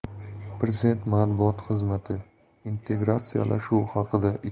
prezident matbuot xizmatiintegratsiyalashuv